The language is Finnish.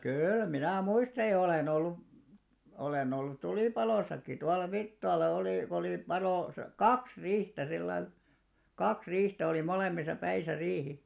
kyllä minä muistan ja olen ollut olen ollut tulipalossakin tuolla Virttaalla oli kun oli palo - kaksi riihtä sillä lailla kaksi riihtä oli molemmissa päissä riihi